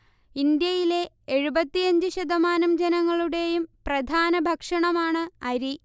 ഇന്ത്യയിലെ എഴുപത്തിയഞ്ച് ശതമാനം ജനങ്ങളുടേയും പ്രധാന ഭക്ഷണമാണ് അരി